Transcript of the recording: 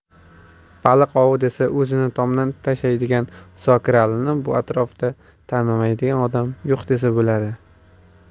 baliq ovi desa o'zini tomdan tashlaydigan zokiralini bu atrofda tanimaydigan odam yo'q desa bo'ladi